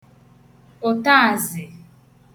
ụ̀taàsị̀